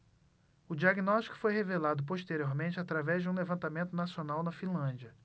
o diagnóstico foi revelado posteriormente através de um levantamento nacional na finlândia